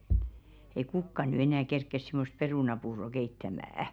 ei kukaan nyt enää kerkeä semmoista perunapuuroa keittämään